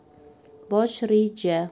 bosh reja